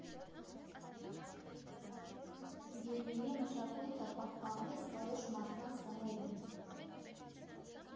Վինիլի մշակույթը պահպանվեց որոշ մարդկանց տներում։